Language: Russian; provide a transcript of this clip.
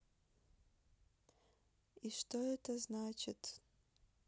и что это значит